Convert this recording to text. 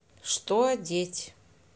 что одеть